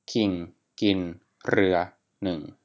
คิงกินเรือหนึ่ง